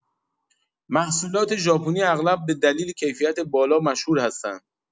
محصولات ژاپنی اغلب به دلیل کیفیت بالا مشهور هستند.